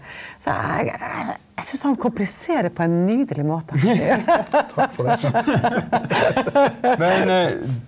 så jeg jeg syns han kompliserer på en nydelig måte .